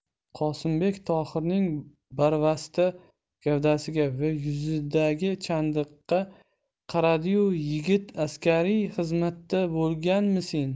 qosimbek tohirning barvasta gavdasiga va yuzidagi chandiqqa qaradi yu yigit askariy xizmatda bo'lganmisen